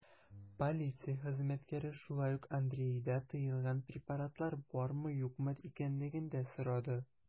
Полиция хезмәткәре шулай ук Андрейда тыелган препаратлар бармы-юкмы икәнлеген дә сорады.